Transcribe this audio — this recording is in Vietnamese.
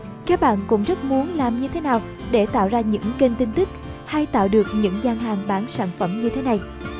các bạn cũng rất muốn làm như thế nào để tạo ra được những kênh tin tức hay tạo được những gian hàng bán sản phẩm như thế này